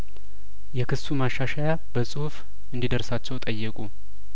የክሱ ማሻሸያበጽሁፍ እንዲ ደርሳቸው ጠየቁ